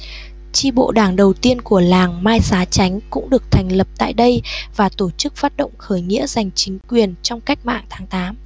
chi bộ đảng đầu tiên của làng mai xá chánh cũng được thành lập tại đây và tổ chức phát động khởi nghĩa giành chính quyền trong cách mạng tháng tám